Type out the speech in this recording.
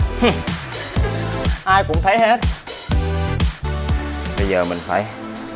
hứ ai cũng thấy hết bây giờ mình phải